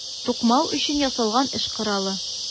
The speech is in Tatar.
Тукмау өчен ясалган эш коралы.